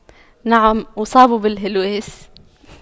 نعم اصاب بالهلواس